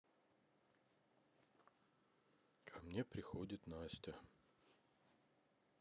ко мне приходит настя